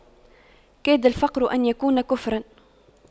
كاد الفقر أن يكون كفراً